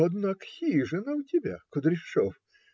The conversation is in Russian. - Однако хижина у тебя, Кудряшов!